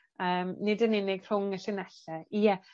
Yym nid yn unig rhwng y llinelle. Ie.